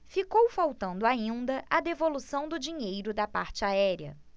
ficou faltando ainda a devolução do dinheiro da parte aérea